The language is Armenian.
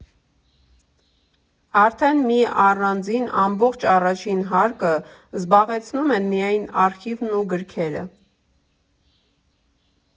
Արդեն մի առանձին՝ ամբողջ առաջին հարկը զբաղեցնում են միայն արխիվն ու գրքերը։